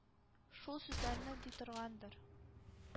Шул сүзләрне, ди торгандыр.